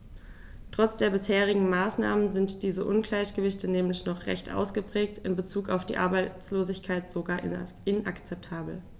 Trotz der bisherigen Maßnahmen sind diese Ungleichgewichte nämlich noch recht ausgeprägt, in bezug auf die Arbeitslosigkeit sogar inakzeptabel.